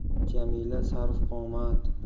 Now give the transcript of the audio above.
jamila sarvqomat